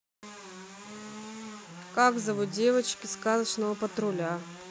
как зовут девочек из сказочного патруля